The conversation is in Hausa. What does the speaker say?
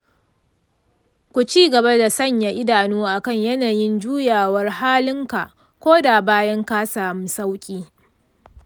ku ci gaba da sanya idanu akan yanayin juyawar halinka koda bayan ka sami sauƙi.